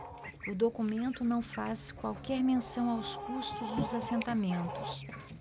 o documento não faz qualquer menção aos custos dos assentamentos